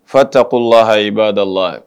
Fa takɔ lahahi'ada la